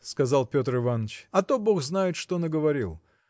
– сказал Петр Иваныч, – а то бог знает что наговорил!